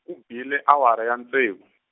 ku bile awara ya ntsevu.